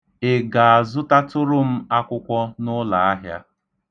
Ị ga-azụtatụrụ m akwụkwọ n'ụlaahịa?